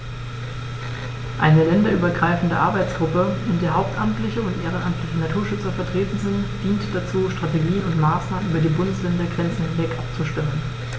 Eine länderübergreifende Arbeitsgruppe, in der hauptamtliche und ehrenamtliche Naturschützer vertreten sind, dient dazu, Strategien und Maßnahmen über die Bundesländergrenzen hinweg abzustimmen.